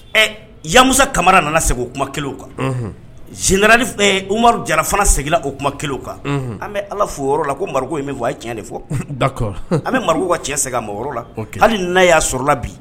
Ɛ yamu kamara nana segin o kuma kelen kan zdra uru jararafana seg o kuma kelen kan an bɛ ala' o yɔrɔ la ko in min fɔ a ye tiɲɛ de fɔ an bɛ ka tiɲɛ segin a la hali n' y'a sɔrɔ la bi